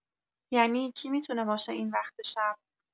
ینی کی می‌تونه باشه این وقت شب؟